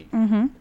Unhun